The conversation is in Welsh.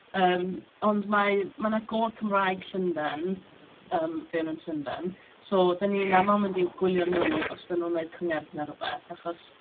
Yym, ond mae ma' 'na gôr Cymraeg Llundain yym fewn yn Llundain, so dan ni'n aml mynd i gwylio nhw os 'dyn nhw'n wneud cyngerdd neu rywbeth, achos...